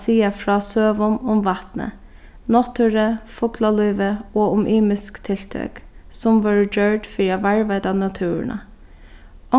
siga frá søgum um vatnið náttúru fuglalívi og um ymisk tiltøk sum vórðu gjørd fyri at varðveita náttúruna